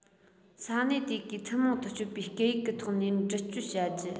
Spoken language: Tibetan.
ས གནས དེ གའི ཐུན མོང དུ སྤྱོད པའི སྐད ཡིག གི ཐོག ནས འདྲི གཅོད བྱ རྒྱུ